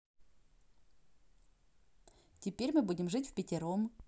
теперь мы будем жить впятером